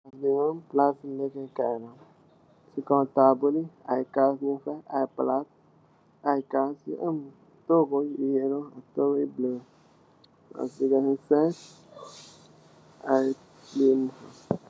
Fi mom palasci ligayekay la ci kaw tabol bi kas nyoung fa ak aye palat aye togou nyoung fa togou you boulo.